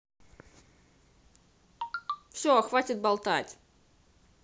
все хватит болтать